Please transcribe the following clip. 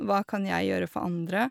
Hva kan jeg gjøre for andre?